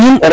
amiin